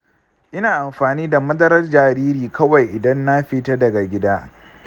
ina amfani da madarar jariri kawai idan na fita daga gida.